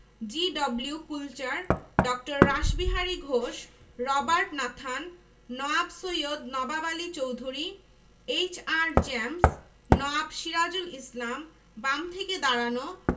পরবর্তীকালে এলাহাবাদ বেনারস হায়দ্রাবাদ আলীগড় লক্ষ্ণৌ এবং আন্নামালাইতে বিশ্ববিদ্যালয় প্রতিষ্ঠাকালে ঢাকা বিশ্ববিদ্যালয়ের মডেল অনুসরণ করা হয় ছবিতে বাম থেকে বসা